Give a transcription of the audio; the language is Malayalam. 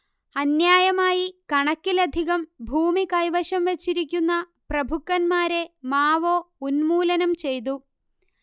അന്യായമായി കണക്കിലധികം ഭൂമി കൈവശം വെച്ചിരിക്കുന്ന പ്രഭുക്കന്മാരെ മാവോ ഉന്മൂലനം ചെയ്തു